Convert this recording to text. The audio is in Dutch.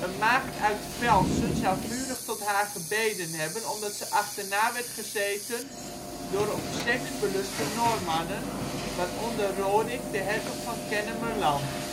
maagd uit Velsen zou vurig tot haar gebeden hebben omdat ze achterna werd gezeten door op seks beluste Noormannen, waaronder Rorik de hertog van Kennemerland